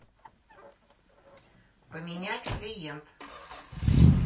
поменять клиент